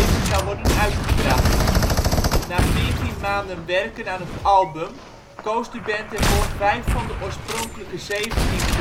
worden uitgebracht. Na veertien maanden werken aan het album, koos de band ervoor vijf van de oorspronkelijke zeventien